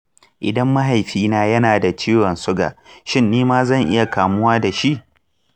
idan mahaifina ya na da ciwon suga, shin nima zan iya kamuwa da shi?